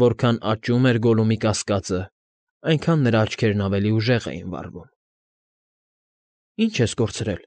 Որքան աճում էր Գոլլումի կասկածը, այնքան նրա աչքերն ավելի ուժեղ էին վառվում։ ֊ Ի՞նչ ես կորցրել,֊